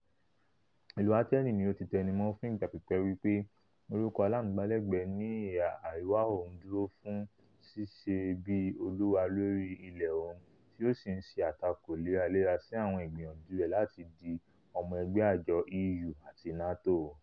Ìlú Atẹẹni ni ó tí tẹnumọ́ fún ìgbà pipẹ wípé orúkọ aláàmúlégbè ní ìhà àríwá òun dúró fun ṣíṣe bi olúwa lóri ilẹ òun tí ó sì ń ṣe àtakò léra-léra sí àwọn ìgbìyànjú rẹ láti di ọmọ ẹgbẹ́ àjọ EU àti NATO.